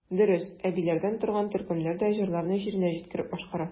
Дөрес, әбиләрдән торган төркемнәр дә җырларны җиренә җиткереп башкара.